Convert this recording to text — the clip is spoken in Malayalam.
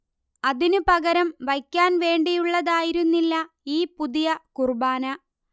അതിനു പകരം വയ്ക്കാൻ വേണ്ടിയുള്ളതായിരുന്നില്ല ഈ പുതിയ കുർബ്ബാന